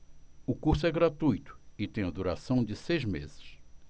o curso é gratuito e tem a duração de seis meses